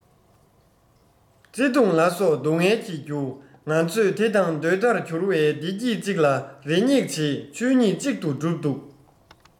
བརྩེ དུང ལ སོགས སྡུག བསྔལ གྱི རྒྱུ ང ཚོས དེ དང ཟློས ཟླར གྱུར བའི བདེ སྐྱིད ཅིག ལ རེ སྙེག བྱེད ཆོས ཉིད ཅིག ཏུ གྲུབ འདུག